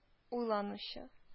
Уйлаучы